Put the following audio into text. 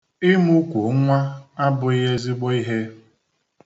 Ịmụkwo nnwa abụghị ezigbo ihe.